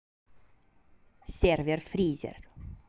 сервер фризер